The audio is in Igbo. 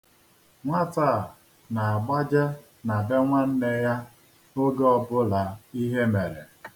Nwata a na-agbaje na be nwanne ya oge ọbụla ihe mere.